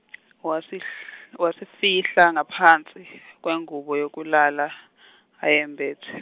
wasihl- wasifihla ngaphansi kwengubo yokulala ayembethe.